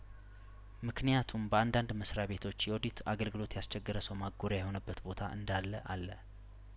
ምክንያቱም በአንዳንድ መስሪያ ቤቶች የኦዲት አገልግሎት ያስቸገረ ሰው ማጐሪያ የሆነበት ቦታ እንዳለ አለ